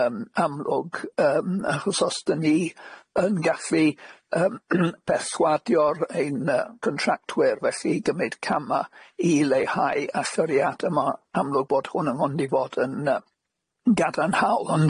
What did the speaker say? yym amlwg yym achos os dan ni yym yn gallu yym perswadio'r ein yy contractwyr felly i gymyd cama i leihau asyriad yma amlwg bod hwn yn mondi fod yn yy gadarnhaol ond